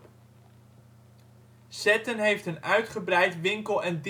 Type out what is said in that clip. Zetten heeft een uitgebreid winkel - en